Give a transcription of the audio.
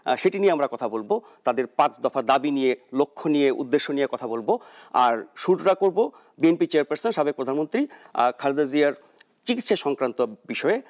সেটি নিয়ে আমরা কথা বলবো তাদের পাঁচ দফা দাবি নিয়ে লক্ষ্য নিয়ে উদ্দেশ্য নিয়ে কথা বলব আর শুরুটা করবো বিএনপি চেয়ারপারসন সাবেক প্রধানমন্ত্রী খালেদা জিয়ার চিকিৎসা সংক্রান্ত বিষয়ে